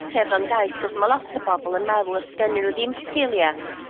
ffurflen gais 'c'os ma' lot o bobol yn meddwl 'os gennyn n'w ddim sgilia